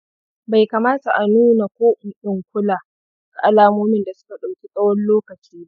bai kamata a nuna ko in kula ga alamomin da suka dauki tsawon lokaci ba